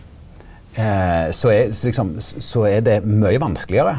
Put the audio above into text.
så er så liksom så er det mykje vanskelegare.